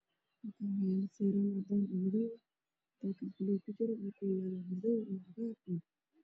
Meeshaan waxaa ka muuqdo sadex box oo buluug iyo cadaan iskugu jiro